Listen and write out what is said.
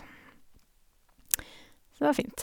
Så det var fint.